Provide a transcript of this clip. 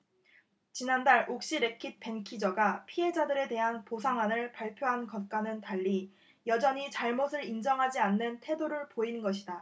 지난달 옥시레킷벤키저가 피해자들에 대한 보상안을 발표한 것과는 달리 여전히 잘못을 인정하지 않는 태도를 보인 것이다